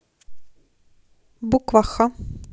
буква х